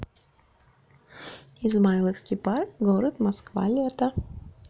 измайловский парк город москва лето